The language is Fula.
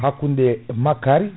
hakkude makari